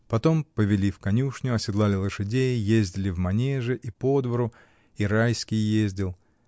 Потом повели в конюшню, оседлали лошадей, ездили в манеже и по двору, и Райский ездил.